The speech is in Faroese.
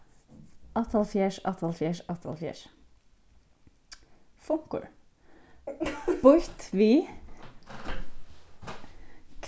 áttaoghálvfjerðs áttaoghálvfjerðs áttaoghálvfjerðs funkur býtt við